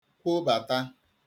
kwobàtà